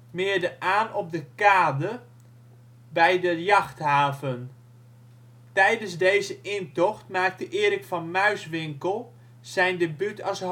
meerde aan op de kade bij de jachthaven. Tijdens deze intocht maakte Erik van Muiswinkel zijn debuut als